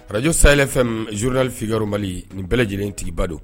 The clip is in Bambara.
Arajo sayɛlɛfɛn zurudalifiy mali nin bɛɛ lajɛlen tigiba don